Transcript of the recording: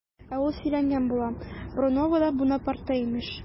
Ә ул сөйләнгән була, Бруновода Бунапарте имеш!